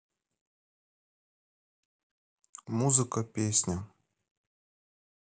музыка песня